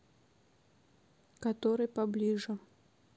который поближе